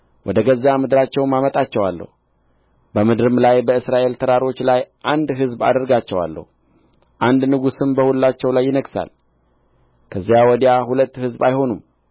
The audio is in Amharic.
ወደ ገዛ ምድራቸውም አመጣቸዋለሁ በምድርም ላይ በእስራኤል ተራሮች ላይ አንድ ሕዝብ አደርጋቸዋለሁ አንድ ንጉሥም በሁላቸው ላይ ይነግሣል